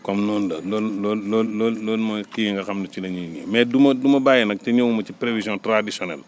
comme noonu la loolu loolu loolu loolu mooy kii yi nga xam ne ci la ñuy mais du ma du ma bàyyi nag te ñëwuma ci prévision traditionnelle